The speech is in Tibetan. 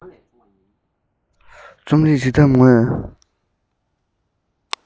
རྩོམ ཡིག འབྲི ཐབས དངོས